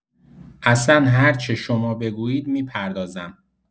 اصلا هرچه شما بگویید می‌پردازم.